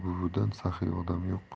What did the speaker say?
buvidan saxiy odam yo'q